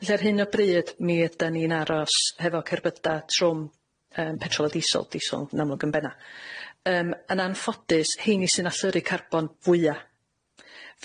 Felly ar hyn o bryd mi ydan ni'n aros hefo cerbyda' trwm yym petrol a diesel, diesel yn amlwg yn benna' yym, yn anffodus, 'heini sy'n athryru carbon fwya'.